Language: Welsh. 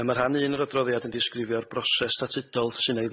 Yym ma' rhan un yr adroddiad yn disgrifio'r broses statudol sy'n